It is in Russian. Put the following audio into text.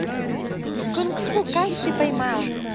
кунг фу кайф ты поймала